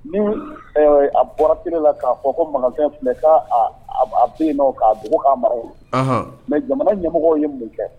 Ni u ɛɛ a bɔra télé la k'a fɔ ko magasin filɛ ka a a b a be yennɔ k'a dugu ka mara wili anahan mais jamana ɲɛmɔgɔw ye mun kɛ